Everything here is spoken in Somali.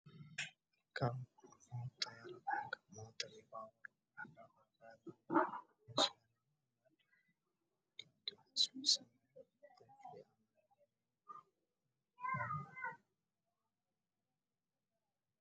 Waa sawir xayeysiis waxaa ii muuqda macaan oo sandwich ah oo ku jira weel oo fara badan